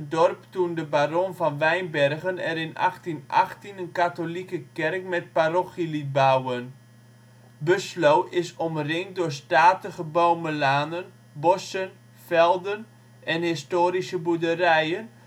dorp toen de baron van Wijnbergen er in 1818 een katholieke kerk met pastorie liet bouwen. Bussloo is omringd door statige bomenlanen, bossen, velden en historische boerderijen